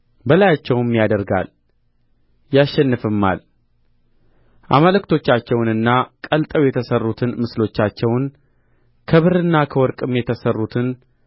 በላያቸውም ያደርጋል ያሸንፍማል አማልክቶቻቸውንና ቀልጠው የተሠሩትን ምስሎቻቸውን ከብርና ከወርቅም የተሠሩትን